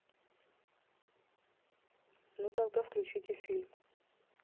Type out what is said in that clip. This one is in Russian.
ну тогда включите фильм